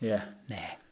Ie... Na?